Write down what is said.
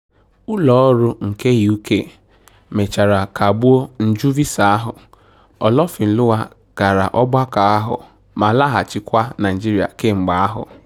Ụlọọrụ nke UK mechara kagbuo njụ visa ahụ. Olofinlua gara ọgbakọ ahụ ma laghachị kwa Naịjirịa kemgbe ahụ.